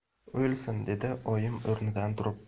o'lsin dedi oyim o'rnidan turib